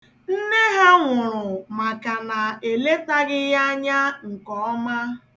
Nne ha nwụrụ maka na eletaghị ya anya nkeọma.